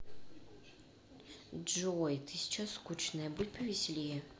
джой ты сейчас скучная будь повеселее